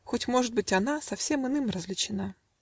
хоть, может быть, она Совсем иным развлечена.